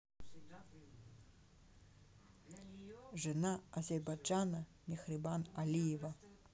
жена азербайджана мехрибан алиева